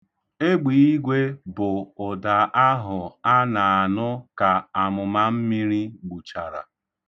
Egbiigwe bụ ụda ahụ a na-anụ ka amụmammiri gbuchara.